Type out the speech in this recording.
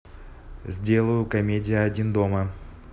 сделаю комедия один дома